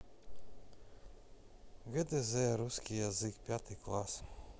гдз русский язык пятый класс